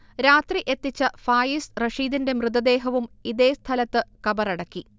രാത്രി എത്തിച്ച ഫായിസ് റഷീദിന്റെ മൃതദേഹവും ഇതേസ്ഥലത്ത് കബറടക്കി